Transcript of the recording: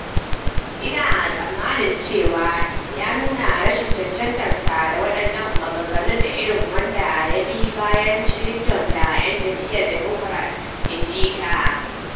"Ina tsammanin cewa ya nuna rashin cancantar sa da wadannan maganganun da irin yadda ya bi bayan Clintons da yan jam’iyyar Democrat," in ji ta.